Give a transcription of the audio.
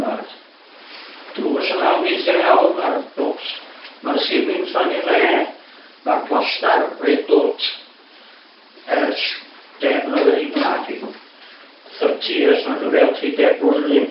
ma'r drws yna'n gwithio'n iawn ma'r bobs- ma'r ceillings yn ei le ma'r palastar reit dwt ers deg mlynedd ar... naci...thirty years mae'n siŵr ia? Tri deg blwyddyn.